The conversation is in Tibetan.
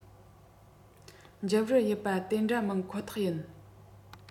འཇིབ རུ ཡིད པ དེ འདྲ མིན ཁོ ཐག ཡིན